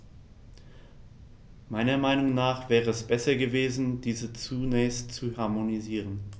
Meiner Meinung nach wäre es besser gewesen, diese zunächst zu harmonisieren.